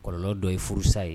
Kɔlɔnlɔ dɔ ye furusa ye